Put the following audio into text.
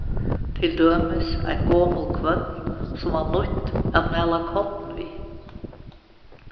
til dømis ein gomul kvørn sum varð nýtt at mala korn við